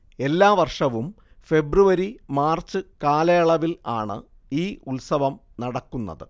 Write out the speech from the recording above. എല്ലാ വർഷവും February March കാലയളവിൽ ആണ് ഈ ഉത്സവം നടക്കുന്നത്